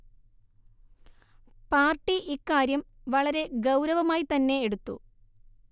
party ഇക്കാര്യം വളരെ ഗൌരവമായി തന്നെ എടുത്തു